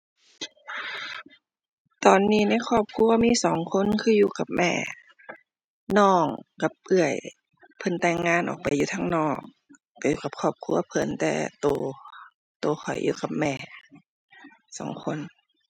ตอนนี้ในครอบครัวมีสองคนคืออยู่กับแม่ น้องกับเอื้อย เพิ่นแต่งงานออกไปอยู่ข้างนอก ไปอยู่กับครอบครัวเพิ่น แต่ตัว ตัวข้อยอยู่กับแม่ สองคน